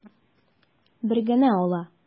Бер генә ала.